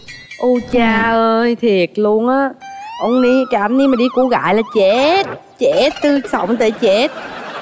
u cha ơi thiệt luôn á ông ni mà đi cô gái là chết chết từ sóng tới chết